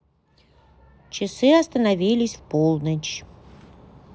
часы остановились в полночь